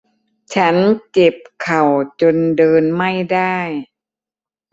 ฉันเจ็บเข่าจนเดินไม่ได้